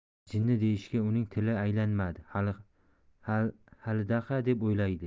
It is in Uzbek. jinni deyishga uning tili aylanmadi halidaqa deb o'ylaydi